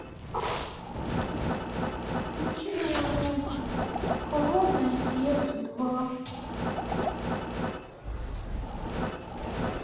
включи мне мультик холодное сердце два